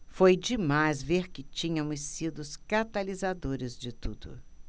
foi demais ver que tínhamos sido os catalisadores de tudo